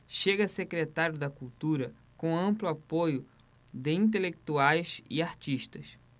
chega a secretário da cultura com amplo apoio de intelectuais e artistas